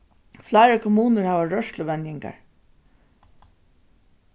fleiri kommunur hava rørsluvenjingar